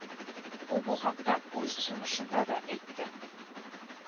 Ул бу хакта үз чыгышында да әйтте